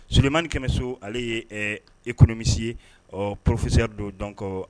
Sourlimanimani kɛmɛ so ale ye ɛ e kɔnɔmisi ye ɔ porosiya don dɔn kɔ